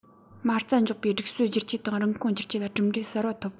མ རྩ འཇོག པའི སྒྲིག སྲོལ བསྒྱུར བཅོས དང རིན གོང བསྒྱུར བཅོས ལ གྲུབ འབྲས གསར པ ཐོབ